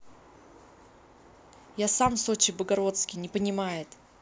я сам сочи богородский не понимает